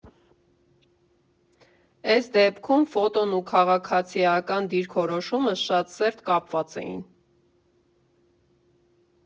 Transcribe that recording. Էս դեպքում ֆոտոն ու քաղաքացիական դիրքորոշումս շատ սերտ կապված էին։